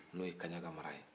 n'o ye kaɲaka mara ye